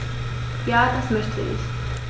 Ja, das möchte ich.